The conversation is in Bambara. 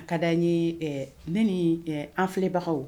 A ka d'an ye ne ni ɛ an filɛbagaw